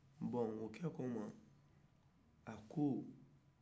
bɔn o kɛlen a ko